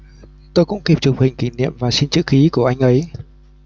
tôi cũng kịp chụp hình kỷ niệm và xin chữ ký của anh ấy